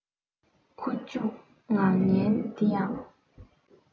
ཁུ བྱུག ངག སྙན དེ ཡང